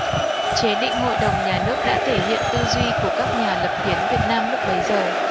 chế định hội đồng nhà nước đã thể hiện tư duy của các nhà lập hiến việt nam lúc bấy giờ